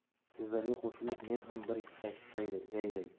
sizlarga qo'shilib men ham bir yayray